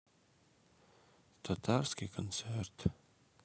татарский концерт